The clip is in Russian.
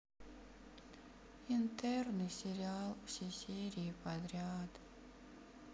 интерны сериал все серии подряд